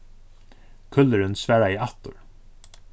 kúllurin svaraði aftur